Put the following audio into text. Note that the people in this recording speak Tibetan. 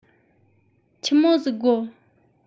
ཆི མོ ཟིག དགོ